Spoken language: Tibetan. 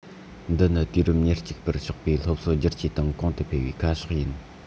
འདི ནི དུས རབས ཉེར གཅིག པར ཕྱོགས པའི སློབ གསོ བསྒྱུར བཅོས དང གོང དུ སྤེལ བའི ཁ ཕྱོགས ཡིན